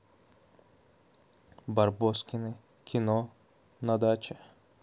барбоскины кино на даче